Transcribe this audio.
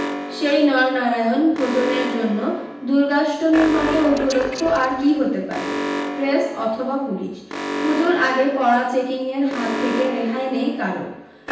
সেই নরনারায়ণ ভোজনের জন্য দুর্গাষ্টমীর মতো উপলক্ষ আর কী হতে পারে প্রেস অথবা পুলিশ পূজোর আগে কড়া চেকিংয়ের হাত থেকে রেহাই নেই কারও